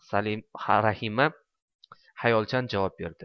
rahima xayolchan javob berdi